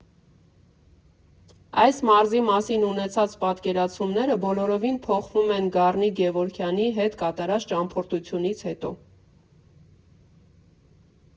Այս մարզի մասին ունեցած պատկերացումները բոլորովին փոխվում են Գառնիկ Գևորգյանի հետ կատարած ճամփորդությունից հետո։